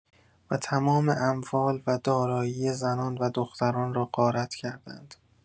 و تمام اموال و دارایی زنان و دختران را غارت کردند.